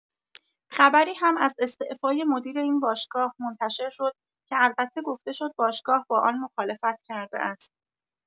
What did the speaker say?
خبری هم از استعفای مدیر این باشگاه منتشر شد که البته گفته شد باشگاه با آن مخالفت کرده است.